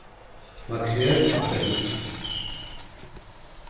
makrel á dós